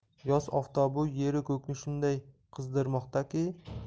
yoz oftobi yeru ko'kni shunday qizdirmoqdaki ot